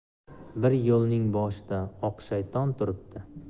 bir yo'lning boshida oq shayton turibdi